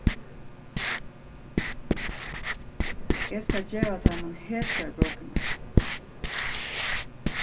eg skal geva teimum hesar bøkurnar